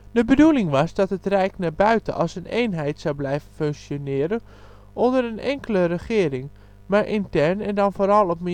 De bedoeling was dat het rijk naar buiten als een eenheid zou blijven functioneren onder een enkele regering, maar intern en dan vooral op militair-defensief